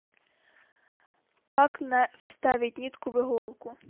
как вставить нитку в иголку